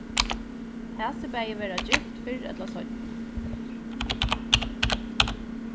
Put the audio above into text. hasi bæði verða gift fyrr ella seinni